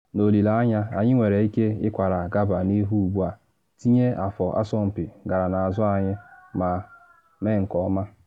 N’olile anya, anyị nwere ike ịkwara gaba n’ihu ugbu a, tinye afọ asọmpi gara n’azụ anyị ma mee nke ọma.”